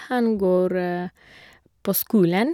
Han går på skolen.